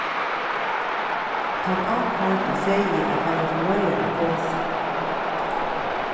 tann ákærdi segði at hann var til reiðar at tosa